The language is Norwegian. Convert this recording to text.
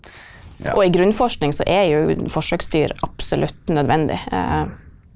og i grunnforskning så er jo forsøksdyr absolutt nødvendig .